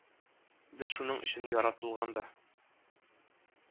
Без шуның өчен яратылган да